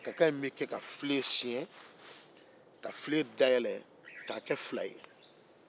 kaka bɛ ka filen dayɛlɛn